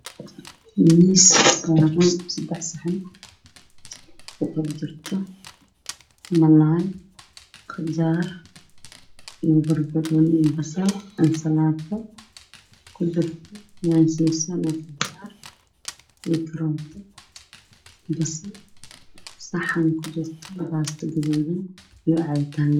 Meeshaan waxaa ka muuqdo miis ay saaranyihiin sadax saxan